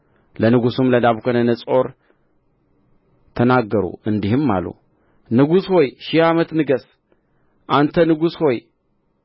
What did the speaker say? ለንጉሡም ለናቡከደነፆር ተናገሩ እንዲህም አሉ ንጉሥ ሆይ ሺህ ዓመት ንገሥ አንተ ንጉሥ ሆይ